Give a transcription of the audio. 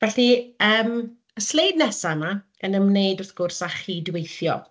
Felly yym y sleid nesaf yma yn ymwneud wrth gwrs â chydweithio.